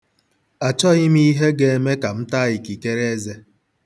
Achọghị m ihe ga-eme ka m taa ikikereeze.